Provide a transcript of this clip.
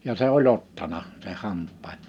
ja se oli ottanut sen hampaan